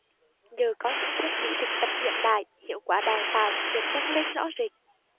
nhờ có những thiết bị thực tập hiện đại hiệu quả đào tạo được nâng lên rõ rệt